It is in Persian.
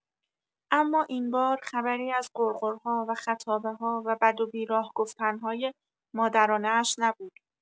اما این بار خبری از غرغرها و خطابه‌ها و بد و بی راه گفتن‌های مادرانه‌اش نبود.